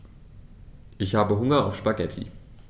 Ich habe Hunger auf Spaghetti.